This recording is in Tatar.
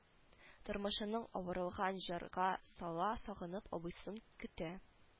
Тормышының авырлыгын җырга сала сагынып абыйсын көтә